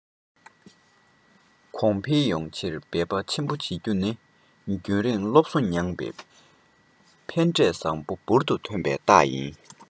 གོང འཕེལ ཡོང ཕྱིར འབད པ ཆེན རྒྱུན རིང སློབ གསོ མྱངས པའི ཕན འབྲས བཟང པོ འབུར དུ ཐོན པའི རྟགས ཡིན